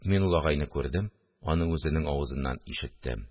Мин ул агайны күрдем, аның үзенең авызыннан ишеттем